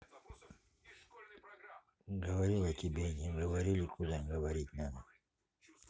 говорила тебе не говорили куда говорить надо